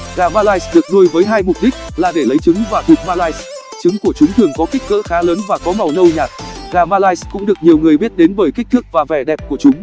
gà malines được nuôi với hai mục đích là để lấy trứng và thịt malines trứng của chúng thường có kích cỡ khá lớn và có màu nâu nhạt gà malines cũng được nhiều người biết đến bởi kích thước và vẻ đẹp của chúng